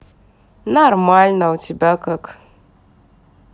нормально а у тебя как